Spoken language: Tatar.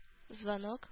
Звонок